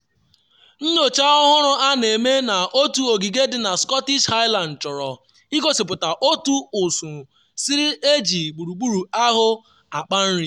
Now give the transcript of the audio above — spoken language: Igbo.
Nyocha ọhụrụ a an-eme n’otu ogige dị na Scottish Highlands chọrọ igosipụta otu ụsụ siri eji gburgburu ahụ akpa nri.